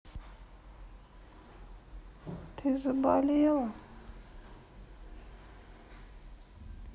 ты заболела